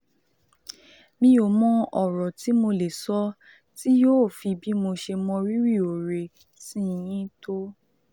Mi ò mọ ọ̀rọ̀ tí mo lè sọ tí yóò fi bí mo ṣe mọ́ rírì oore sí yín tó.